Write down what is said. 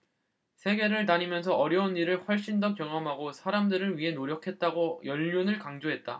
세계를 다니면서 어려운 일을 훨씬 더 경험하고 사람들을 위해 노력했다고 연륜을 강조했다